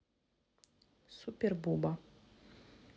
супер буба